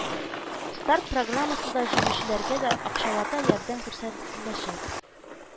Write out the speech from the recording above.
Старт программасында җиңүчеләргә дә акчалата ярдәм күрсәтеләчәк